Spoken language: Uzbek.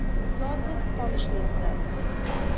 yolg'iz qolishni istadi